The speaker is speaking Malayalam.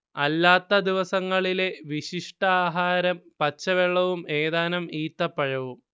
അല്ലാത്ത ദിവസങ്ങളിലെ വിശിഷ്ടാഹാരം പച്ചവെള്ളവും ഏതാനും ഈത്തപ്പഴവും